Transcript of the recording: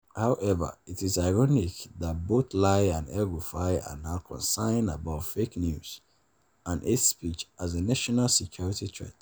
However, it is ironic that both Lai and El-Rufai are now concerned about fake news and hate speech as a national security threat.